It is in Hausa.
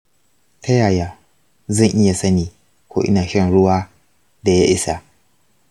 ta yaya zan iya sani ko ina shan ruwan da ya isa?